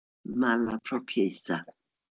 Malapropiaethau.